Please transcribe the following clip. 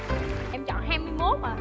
em chọn hai mươi mốt à